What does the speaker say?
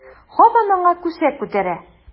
Һаман аңа күсәк күтәрә.